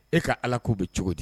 E ka ala k'u bɛ cogo di